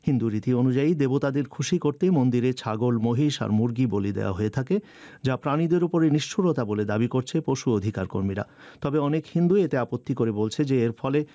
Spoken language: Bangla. হিন্দু রীতি অনুযায়ী দেবতাদের খুশি করতে মন্দিরে ছাগল মহিষ আর মুরগি বলি দেয়া হয়ে থাকে যা প্রাণীদের উপরে নিষ্ঠুরতা বলে দাবি করছে পশু অধিকার কর্মীরা তবে অনেক হিন্দু এতে আপত্তি করে বলছে যে এর ফলে